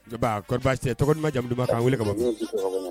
J baa kori baasi te ye tɔgɔ duman jamu duman k'an weele ka bɔ min ne ye